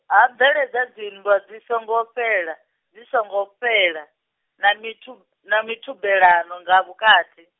ha bveledza dzinndwa dzi songo fhela, dzi songo fhela, na mithu-, na mithubelano nga vhukati.